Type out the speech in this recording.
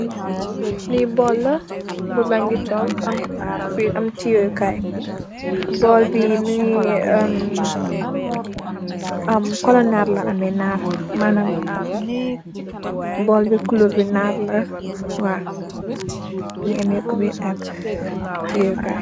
Li bowl la bowl bangi tog am kuber am tiyeh kai bowl bi mogi am ar colu nar la ameh colu nar manan bowl bi culur bi nar laa waw mungi ame kuberr ak teyeh kai